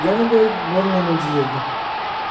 yeb qo'ygandek burnini jiyirdi